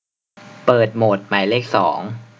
เปิดโหมดหมายเลขสอง